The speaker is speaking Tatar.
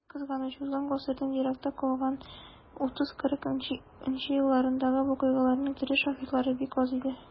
Ни кызганыч, узган гасырның еракта калган 30-40 нчы елларындагы вакыйгаларның тере шаһитлары бик аз инде.